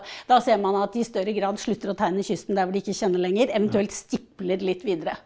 da ser man at de i større grad slutter å tegne kysten der hvor de ikke kjenner lenger, eventuelt stipler litt videre.